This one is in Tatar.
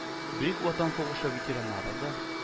Бөек Ватан сугышы ветераннары да